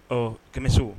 Ɔ kɛmɛso